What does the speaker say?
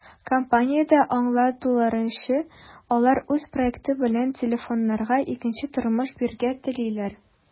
Компаниядә аңлатуларынча, алар үз проекты белән телефоннарга икенче тормыш бирергә телиләр.